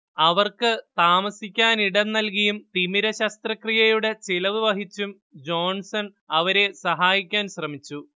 അവർക്ക് താമസിക്കാനിടം നൽകിയും തിമിരശസ്ത്രക്രിയയുടെ ചെലവ് വഹിച്ചും ജോൺസൺ അവരെ സഹായിക്കാൻ ശ്രമിച്ചു